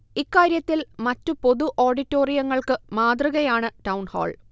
ഇക്കാര്യത്തിൽ മറ്റു പൊതു ഓഡിറ്റോറിയങ്ങൾക്ക് മാതൃകയാണ് ടൗൺഹാൾ